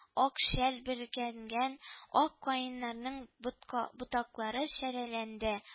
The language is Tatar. Ак шәл бөркәнгән ак каеннарның ботка ботаклары шәрәләнде